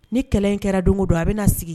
Ni kɛlɛ in kɛra don don a bɛna na sigi